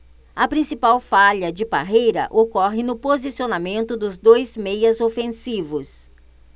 a principal falha de parreira ocorre no posicionamento dos dois meias ofensivos